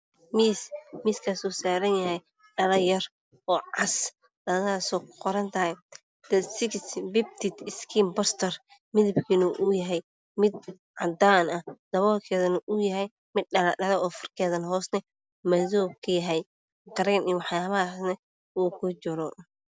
Waa miis waxaa saaran dhalo yar oo cas oo ay kuqoran tahay tansigis biibtin iskiin bostar midabkeedu waa cadaan daboolkana waa mid dhalo u eg midabkeeda hoose waa madow oo kareem uu kujiro.